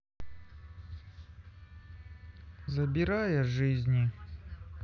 забирая жизни